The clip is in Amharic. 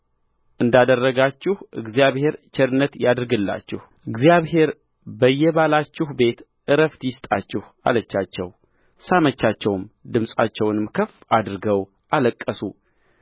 እንዳደረጋችሁ እግዚአብሔር ቸርነት ያድርግላችሁ እግዚአብሔር በየባላችሁ ቤት ዕረፍት ይስጣችሁ አለቻቸው ሳመቻቸውም ድምፃቸውንም ከፍ አድርገው አለቀሱ